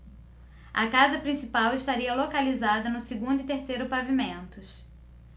a casa principal estaria localizada no segundo e terceiro pavimentos